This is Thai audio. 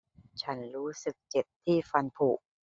ฉันรู้สึกเจ็บที่ฟันผุ